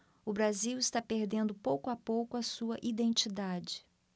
o brasil está perdendo pouco a pouco a sua identidade